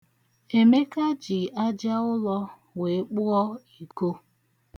Emeka ji aja ụlọ wee kpụọ iko.